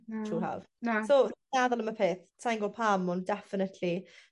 Na. Trw'r Haf. Na. So meddwl am y peth sai'n gw'o' pam ond definitely